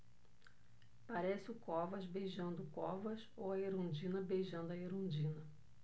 parece o covas beijando o covas ou a erundina beijando a erundina